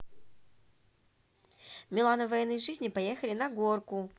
милана военной жизни поехали на горку